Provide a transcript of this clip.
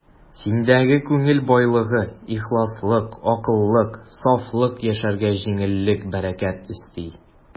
Синдәге күңел байлыгы, ихласлык, аклык, сафлык яшәргә җиңеллек, бәрәкәт өсти.